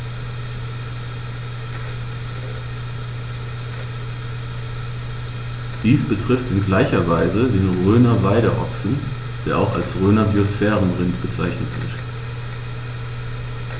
Dies betrifft in gleicher Weise den Rhöner Weideochsen, der auch als Rhöner Biosphärenrind bezeichnet wird.